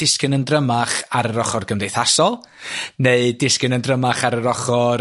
disgyn yn drymach ar yr ochor gymdeithasol neu disgyn yn drymach ar yr ochor